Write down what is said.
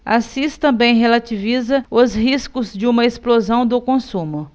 assis também relativiza os riscos de uma explosão do consumo